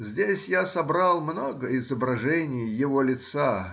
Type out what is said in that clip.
Здесь я собрал много изображений его лица.